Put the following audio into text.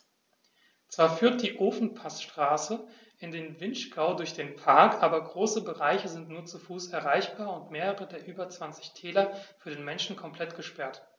Zwar führt die Ofenpassstraße in den Vinschgau durch den Park, aber große Bereiche sind nur zu Fuß erreichbar und mehrere der über 20 Täler für den Menschen komplett gesperrt.